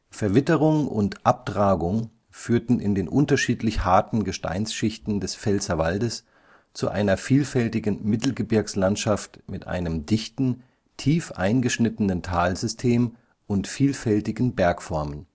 Verwitterung und Abtragung führten in den unterschiedlich harten Gesteinsschichten des Pfälzerwaldes zu einer vielfältigen Mittelgebirgslandschaft mit einem dichten, tief eingeschnittenen Talsystem und vielfältigen Bergformen